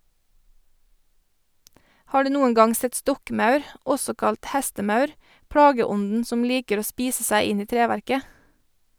Har du noen gang sett stokkmaur , også kalt hestemaur , plageånden som liker å spise seg inn i treverket?